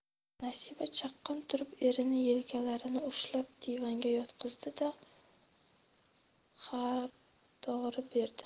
nasiba chaqqon turib erini yelkalarini ushlab divanga yotqizdi da xapdori berdi